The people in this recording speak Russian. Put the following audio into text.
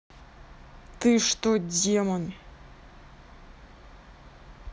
ты что демон